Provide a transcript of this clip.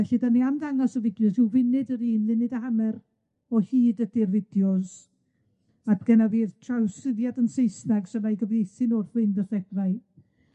Felly, 'dan ni am dangos y fideos ryw funud yr un munud a hanner o hyd yd'r fideos, a genna fi'r trawsgrifiad yn Saesnag so nai gyfieithu nw wrth fynd